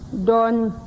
dɔɔnin